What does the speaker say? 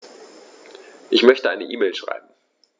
Ich möchte eine E-Mail schreiben.